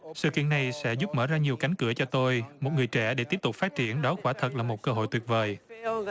sự kiện này sẽ giúp mở ra nhiều cánh cửa cho tôi một người trẻ để tiếp tục phát triển đó quả thật là một cơ hội tuyệt vời